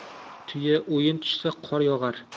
tuya o'yin tushsa qor yog'ar